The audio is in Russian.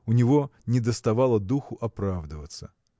У него недоставало духу оправдываться.